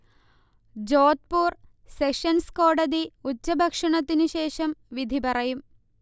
Jodhpur sessions കോടതി ഉച്ചഭക്ഷണത്തിനു ശേഷം വിധി പറയും